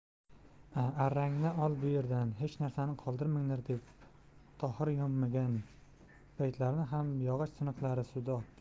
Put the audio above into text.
arrangni ol bu yerda hech narsani qoldirmanglar deb tohir yonmagan payrahalarni yog'och siniqlarini suvga otdi